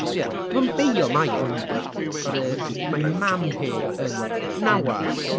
Sbia dwi'm yn beio Mair ti'n gwbod, oherwydd mae ei mam hi yn gnawas.